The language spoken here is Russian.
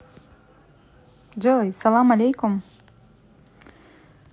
джой салам алейкум